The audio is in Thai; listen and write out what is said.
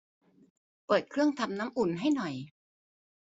เปิดเครื่องทำน้ำอุ่นให้หน่อย